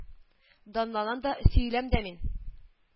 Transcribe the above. Данланам да, сөеләм дә мин